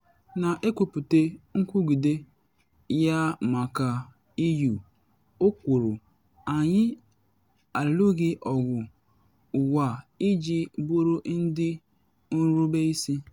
Na ekwupute nkwugide ya maka EU, o kwuru: “Anyị alụghị ọgụ ụwa iji bụrụ ndị nrube isi.